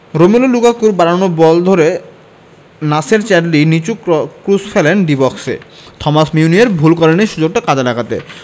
Romelu লুকাকুর বাড়ানো ball ধরে নাসের চ্যাডলি নিচু ক্রস ফেলেন ডি বক্সে থমাস মিউনিয়ের ভুল করেননি সুযোগটা কাজে লাগাতে